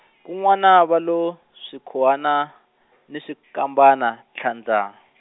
kun'wana va lo, swikhuwana , ni swikambana tlhandla.